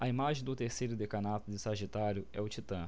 a imagem do terceiro decanato de sagitário é o titã